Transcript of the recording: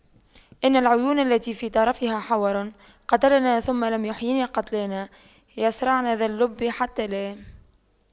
إن العيون التي في طرفها حور قتلننا ثم لم يحيين قتلانا يَصرَعْنَ ذا اللب حتى لا